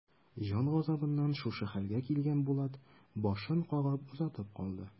Җан газабыннан шушы хәлгә килгән Булат башын кагып озатып калды.